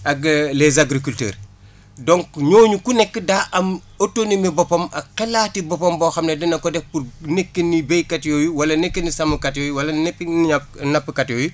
ak les agriculteurs donc ñooñu ku nekk daa am autonomie boppam ak xalaati boppam boo xam ne dina ko def pour nekkinu béykat yooyu wala nekkinu sàmmkat yooyu wala nekkinu nap nappkat yooyu